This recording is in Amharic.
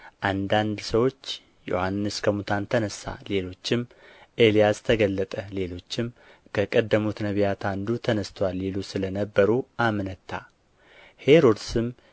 አንዳንድ ሰዎች ዮሐንስ ከሙታን ተነሣ ሌሎችም ኤልያስ ተገለጠ ሌሎችም ከቀደሙት ነቢያት አንዱ ተነሥቶአል ይሉ ስለ ነበሩ አመነታ ሄሮድስም